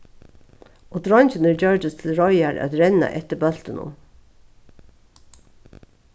og dreingirnir gjørdust til reiðar at renna eftir bóltinum